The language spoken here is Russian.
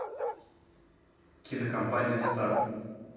кинокомпания старт